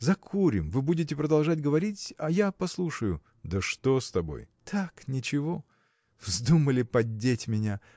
закурим: вы будете продолжать говорить, а я послушаю. – Да что с тобой? – Так, ничего. Вздумали поддеть меня!